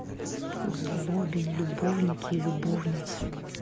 злобин любовники и любовницы